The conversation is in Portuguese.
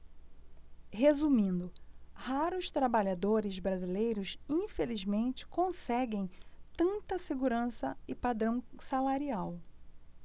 resumindo raros trabalhadores brasileiros infelizmente conseguem tanta segurança e padrão salarial